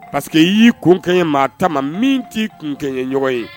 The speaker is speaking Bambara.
Paseke y'i kun kɛɲɛ maa ta min t'i kun kɛɲɛ ɲɔgɔn ye